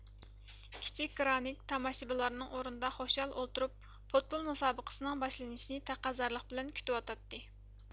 كىچىك فرانك تاماشىبىنلار ئورنىدا خۇشال ئولتۇرۇپ پۇتبول مۇسابىقىسىنىڭ باشلىنىشىنى تەقەززالىق بىلەن كۈتۈۋاتاتتى